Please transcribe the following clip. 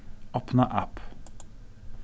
opna app